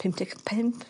Pump deg pump.